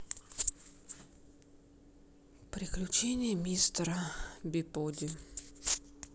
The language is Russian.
приключения мистера пибоди